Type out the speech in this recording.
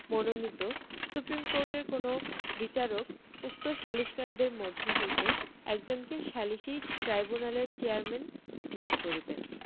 মানোনীত supreme কোর্টের কোন বিচারক উক্ত সালিসকারীদের মধ্য হইতে একজনকে সালিসী ট্রাইব্যুনালের চেযারম্যান নিয়োগ করিবেন